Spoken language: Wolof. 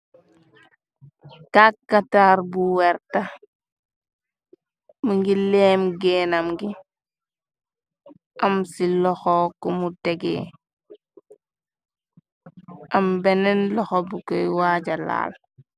Kàkkataar bu werta. mun ngi leem géenam ngi am ci loxo ko mu tegee. Am benen loxo bu koy waaja laal.